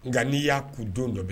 Nka n'i y'a kun don dɔ bɛ